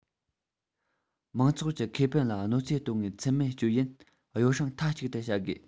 མང ཚོགས ཀྱི ཁེ ཕན ལ གནོད འཚེ གཏོང བའི ཚུལ མིན སྤྱོད ཡན ཡོ བསྲང མཐའ གཅིག ཏུ བྱ དགོས